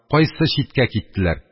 Кайсы читкә киттеләр.